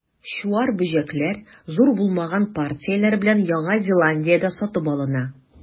Чуар бөҗәкләр, зур булмаган партияләр белән, Яңа Зеландиядә сатып алына.